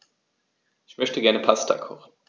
Ich möchte gerne Pasta kochen.